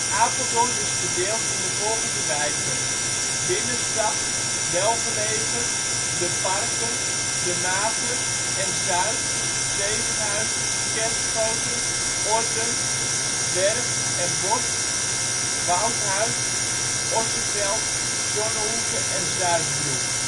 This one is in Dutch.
Apeldoorn is verdeeld in de volgende wijken: Binnenstad; Welgelegen; De Parken, De Maten en Zuid, Zevenhuizen, Kerschoten, Orden, Berg en Bos, Woudhuis, Osseveld, Zonnehoeve en Zuidbroek